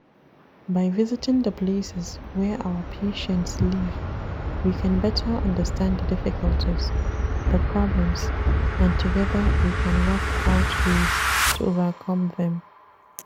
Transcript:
By visiting the places where our patients live we can better understand the difficulties, the problems, and together we can work out ways to overcome them.